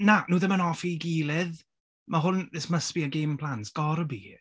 Na nhw ddim yn hoffi ei gilydd. Ma' hwn... this must be a game plan, it's gotta be.